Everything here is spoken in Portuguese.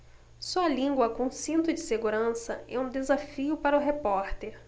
sua língua com cinto de segurança é um desafio para o repórter